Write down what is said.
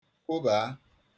kwobàa